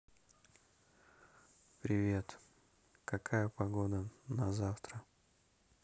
привет какая погода на завтра